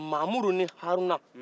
mamudu ni haruna